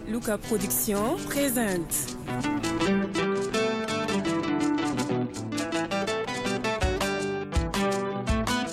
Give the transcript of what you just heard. Olu ka kodisi kesan